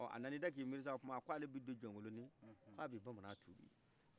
ɔ a nana i da k'i miirisa kuma k'abi don jɔnkoloni k'abi bamanan tubi